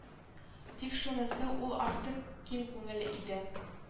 Тик шунысы ул артык киң күңелле иде